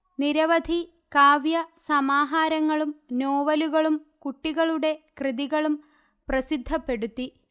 നിരവധി കാവ്യ സമാഹാരങ്ങളും നോവലുകളും കുട്ടികളുടെ കൃതികളും പ്രസിദ്ധപ്പെടുത്തി